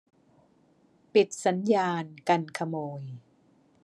ปิดสัญญาณกันขโมย